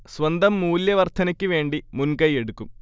സ്വന്തം മൂല്യ വർധ്നക്ക് വേണ്ടി മുൻ കൈ എടുക്കും